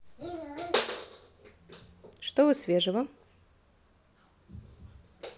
что вы свежего